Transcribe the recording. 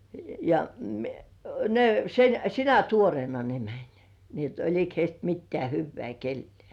ja ne sen sinä tuoreena ne meni niin että oliko heistä mitään hyvää kenellekään